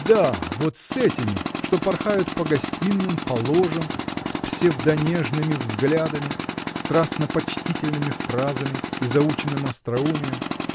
— Да, вот с этими, что порхают по гостиным, по ложам, с псевдо-нежными взглядами, страстно-почтительными фразами и заученным остроумием.